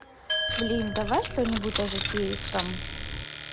блин давай что нибудь о житейском